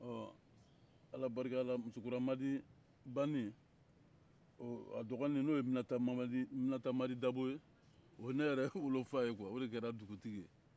ɔ ala barika la musokuramadi bannen a dɔgɔnin n'o ye minatamadi dabo ye o ye ne yɛrɛ wolofa quoi o de kɛra dugutigi ye